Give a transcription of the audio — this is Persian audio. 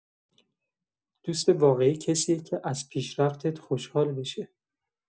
دوست واقعی کسیه که از پیشرفتت خوشحال بشه.